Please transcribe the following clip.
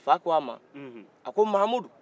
fa ko a ma a ko mamudu